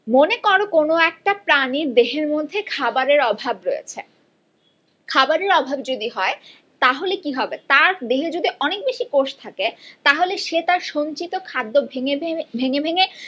থাকে মনে করো কোন একটা প্রাণীর দেহের মধ্যে খাবারের অভাব রয়েছে খাবারের অভাব যদি হয় তাহলে কি হবে তার দেহে যদি অনেক বেশি কোষ থাকে তাহলে সেটা সঞ্চিত খাদ্য ভেঙে ভেঙে